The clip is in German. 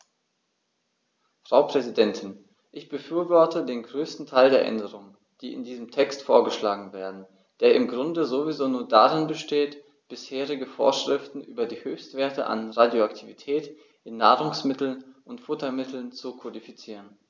Frau Präsidentin, ich befürworte den größten Teil der Änderungen, die in diesem Text vorgeschlagen werden, der im Grunde sowieso nur darin besteht, bisherige Vorschriften über die Höchstwerte an Radioaktivität in Nahrungsmitteln und Futtermitteln zu kodifizieren.